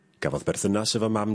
...gafodd berthynas efo mam...